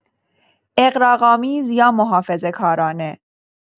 اغراق‌آمیز یا محافظه‌کارانه